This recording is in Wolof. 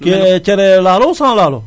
ki cere laalo ou sans laalo